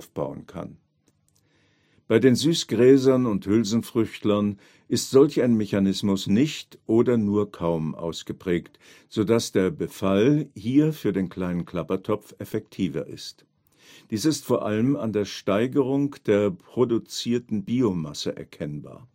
aufbauen kann. Bei den Süßgräsern und Hülsenfrüchtlern ist solch ein Mechanismus nicht oder nur kaum ausgeprägt, so dass der Befall hier für den Kleinen Klappertopf effektiver ist. Dies ist vor allem an der Steigerung der produzierten Biomasse erkennbar